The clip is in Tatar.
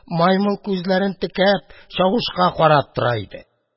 Маймыл, күзләрен текәп, чавышка карап тора иде.